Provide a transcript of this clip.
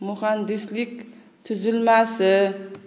muhandislik tuzilmasi